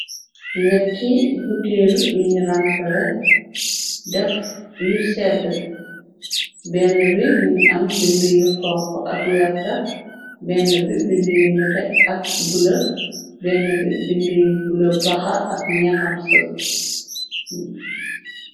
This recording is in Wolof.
Nyetti buteel yiñ rangsale def yu sedd benn bi mun am bind yu xonko ak werta benn bi bind yu nete ak bulo benn bi bind yu bulo baxa ak nexam seb.